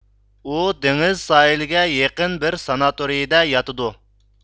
ئۇ دېڭىز ساھىلىگە يېقىن بىر ساناتورىيىدە ياتىدۇ